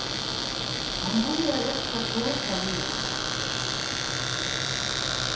hann bíðar eftir at tosa við hana